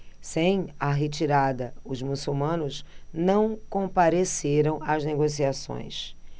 sem a retirada os muçulmanos não compareceram às negociações